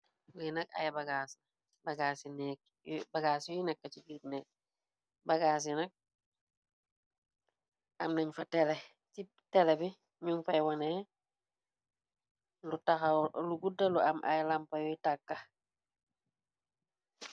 linak ay bagas la yuye neke ci berr neke bgas Yi nak mugi am tele tele bi nak mugi am lu gudou lufaa taka